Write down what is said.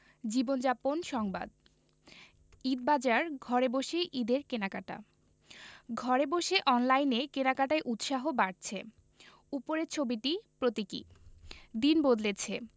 জীবনযাপন সংবাদ ঈদবাজার ঘরে বসেই ঈদের কেনাকাটা ঘরে বসে অনলাইনে কেনাকাটায় উৎসাহ বাড়ছে উপরের ছবিটি প্রতীকী দিন বদলেছে